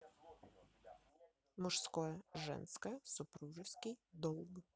мужское женское супружеский долг